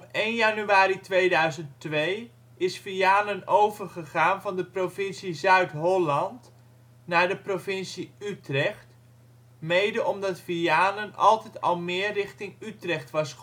1 januari 2002 is Vianen overgegaan van de provincie Zuid-Holland naar de provincie Utrecht mede omdat Vianen altijd al meer richting Utrecht was